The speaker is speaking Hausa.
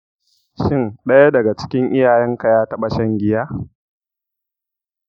shin ɗaya daga cikin iyayenka ya taɓa shan giya?